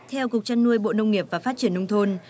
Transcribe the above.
theo cục chăn nuôi bộ nông nghiệp và phát triển nông thôn